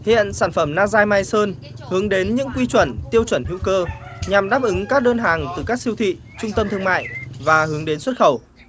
hiện sản phẩm na dai mai sơn hướng đến những quy chuẩn tiêu chuẩn hữu cơ nhằm đáp ứng các đơn hàng từ các siêu thị trung tâm thương mại và hướng đến xuất khẩu